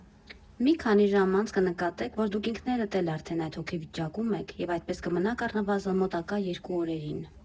Մի քանի ժամ անց կնկատեք, որ դուք ինքներդ էլ արդեն այդ հոգեվիճակում եք, և այդպես կմնաք առնվազն մոտակա երկու օրերին։